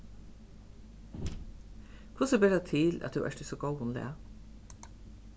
hvussu ber tað til at tú ert í so góðum lag